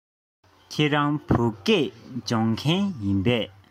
ཁྱེད རང བོད སྐད སྦྱོང མཁན ཡིན པས